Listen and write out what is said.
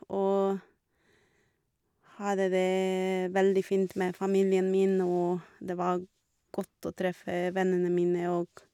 Og hadde det veldig fint med familien min, og det var godt å treffe vennene mine òg.